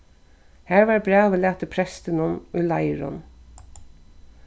har var brævið latið prestinum í leirum